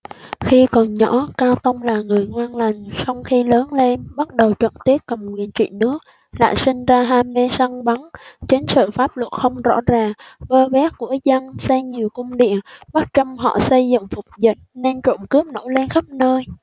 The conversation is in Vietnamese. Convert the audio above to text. khi còn nhỏ cao tông là người ngoan lành song khi lớn lên bắt đầu trực tiếp cầm quyền trị nước lại sinh ra ham mê săn bắn chính sự pháp luật không rõ ràng vơ vét của dân xây nhiều cung điện bắt trăm họ xây dựng phục dịch nên trộm cướp nổi lên khắp nơi